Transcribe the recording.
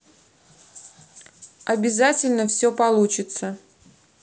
обязательно все получится